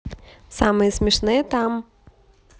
самые смешные там